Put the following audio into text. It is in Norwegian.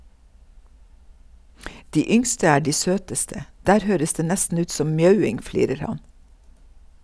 De yngste er de søteste, der høres det nesten ut som mjauing, flirer han.